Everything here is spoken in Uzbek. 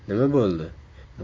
nima bo'ldi